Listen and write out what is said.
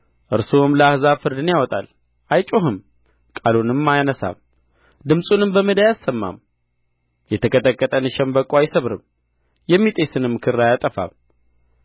እርሱም ለአሕዛብ ፍርድን ያወጣል አይጮኽም ቃሉንም አያነሣም ድምፁንም በሜዳ አያሰማም የተቀጠቀጠን ሸምበቆ አይሰብርም የሚጤስንም ክር አያጠፋም